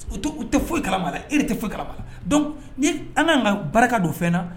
U tɛ foyi kalala ere tɛ foyi dɔn ni an'an ka barika don fɛn na